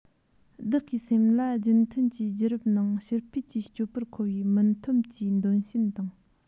བདག གིས སེམས ལ རྒྱུན མཐུད ཀྱི རྒྱུད རབས ནང ཕྱིར ཕུད ཀྱི སྤྱོད པར མཁོ བའི མུན འཐོམས ཀྱི འདོད ཞེན དང